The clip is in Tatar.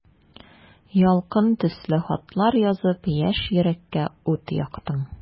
Ялкын төсле хатлар язып, яшь йөрәккә ут яктың.